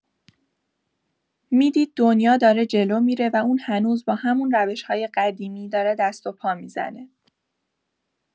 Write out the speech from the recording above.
می‌دید دنیا داره جلو می‌ره و اون هنوز با همون روش‌های قدیمی داره دست‌وپا می‌زنه.